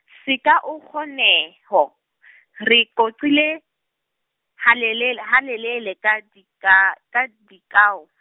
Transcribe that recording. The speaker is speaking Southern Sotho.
sekaokgoneho , re qoqile halelel-, halelele ka dika, ka dikao?